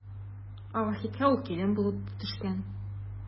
Ә Вахитка ул килен булып төшкән.